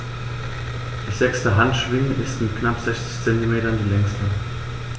Die sechste Handschwinge ist mit knapp 60 cm die längste.